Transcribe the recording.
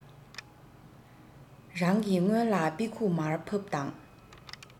རང གི སྔོན ལ དཔེ ཁུག མར ཕབ དང